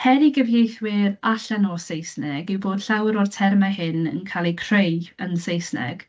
Her i gyfieithwyr allan o Saesneg yw bod llawer o'r termau hyn yn cael eu creu yn Saesneg.